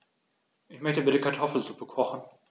Ich möchte bitte Kartoffelsuppe kochen.